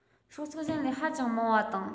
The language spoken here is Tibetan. སྲོག ཆགས གཞན ལས ཧ ཅང མང བ དང